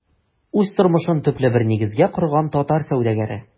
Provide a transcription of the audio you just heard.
Үз тормышын төпле бер нигезгә корган татар сәүдәгәре.